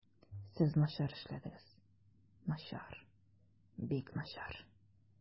Сез начар эшләдегез, начар, бик начар.